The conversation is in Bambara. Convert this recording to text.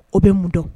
O bɛ mun dɔn